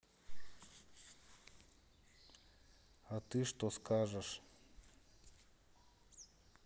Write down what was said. а ты что скажешь